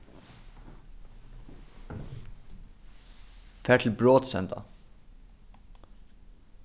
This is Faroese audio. far til brotsenda